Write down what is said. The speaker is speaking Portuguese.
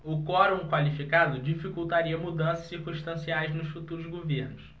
o quorum qualificado dificultaria mudanças circunstanciais nos futuros governos